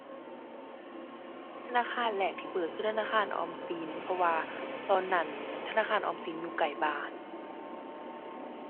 ธนาคารแรกที่เปิดคือธนาคารออมสิน เพราะว่าตอนนั้นธนาคารออมสินอยู่ใกล้บ้าน